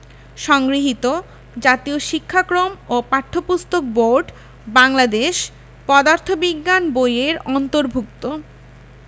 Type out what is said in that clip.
সংগৃহীত জাতীয় শিক্ষাক্রম ও পাঠ্যপুস্তক বোর্ড বাংলাদেশ পদার্থ বিজ্ঞান বই এর অন্তর্ভুক্ত